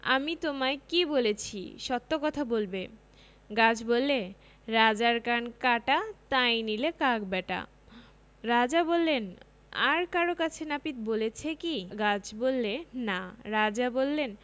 আমি তোমায় কী বলেছি সত্য কথা বলবে গাছ বললে ‘রাজার কান কাটা তাই নিলে কাক ব্যাটা রাজা বললেন আর কারো কাছে নাপিত বলেছে কি গাছ বললে না রাজা বললেন